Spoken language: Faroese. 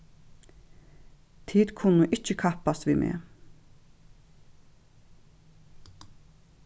tit kunnu ikki kappast við meg